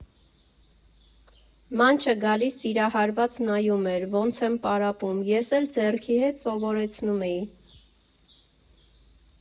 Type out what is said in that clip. «Մանչը գալիս, սիրահարված նայում էր՝ ոնց եմ պարապում, ես էլ ձեռքի հետ սովորեցնում էի։